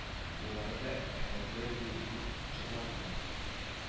Еллары да афәтле иде ул чакларда